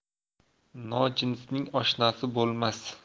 nojinsning oshnasi bo'lmas